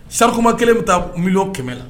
Sakuma kelen bɛ taab kɛmɛ la